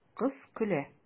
Кыз көлә.